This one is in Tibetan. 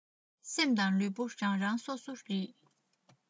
སེམས དང ལུས པོ རང རང སོ སོ རེད